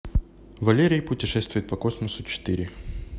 валерий путешествует по космосу четыре